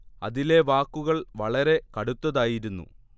അതിലെ വാക്കുകൾ വളരെ കടുത്തതായിരുന്നു